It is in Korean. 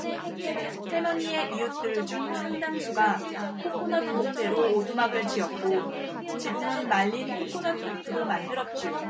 할머니의 이웃들 중 상당수가 코코넛 목재로 오두막을 지었고 지붕은 말린 코코넛 잎으로 만들었지요